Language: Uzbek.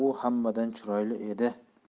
u hammadan chiroyli edi